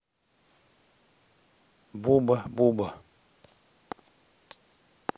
буба буба